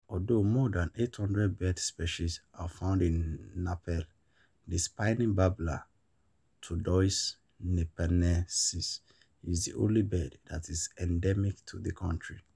Although more than 800 bird species are found in Nepal, the Spiny Babbler (Turdoides nipalensis) is the only bird that is endemic to the country.